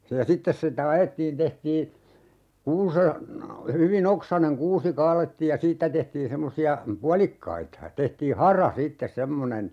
se ja sitten sitä ajettiin tehtiin kuusen hyvin oksainen kuusi kaadettiin ja siitä tehtiin semmoisia puolikkaita ja tehtiin hara sitten semmoinen